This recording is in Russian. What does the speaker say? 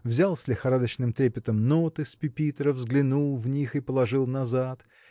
взял с лихорадочным трепетом ноты с пюпитра взглянул в них и положил назад